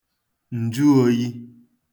ǹjụōyī